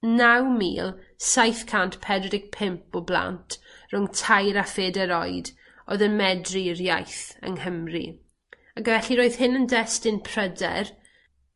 naw mil saith cant pedwar deg pump o blant rhwng tair a pheder oed oedd yn medru'r iaith yng Nghymru, ac felly roedd hyn yn destun pryder